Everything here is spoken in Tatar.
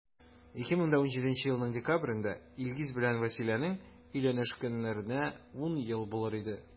2017 елның декабрендә илгиз белән вәсиләнең өйләнешкәннәренә 10 ел булыр иде.